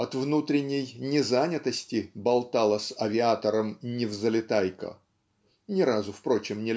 от внутренней незанятости болтала с авиатором Невзлетайко (ни разу впрочем